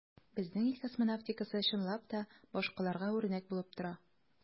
Безнең ил космонавтикасы, чынлап та, башкаларга үрнәк булып тора.